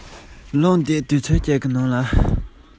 གསལ ལྷང ལྷང གི ཉི འོད ཁ ཤར ལ